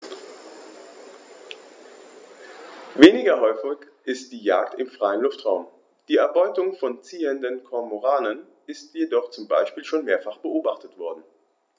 Weniger häufig ist die Jagd im freien Luftraum; die Erbeutung von ziehenden Kormoranen ist jedoch zum Beispiel schon mehrfach beobachtet worden.